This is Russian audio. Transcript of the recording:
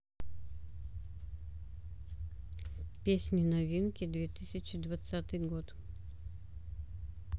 песни новинки две тысячи двадцатый год